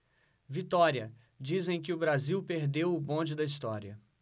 vitória dizem que o brasil perdeu o bonde da história